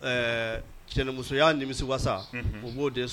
Ɛɛ cɛnmusoya' nimi wasa u b'o de